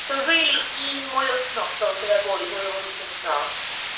So really un mwy wythnos dylse fe bod i fod yr wyth wythnos.